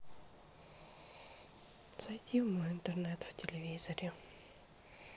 зайди в мой интернет в телевизоре